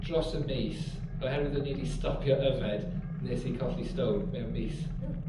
dros y mis oherwydd o'n i 'di stopio yfed nes i colli stone. Mewn mis. Ie.